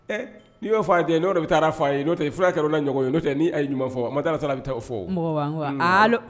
N'i y'o fɔ a ten n'o de bɛ taa fa ye'o fula kɛrala ɲɔgɔn ye n' tɛ' ye ɲumanfɔ fɔ a ma taa bɛ taa' o fɔ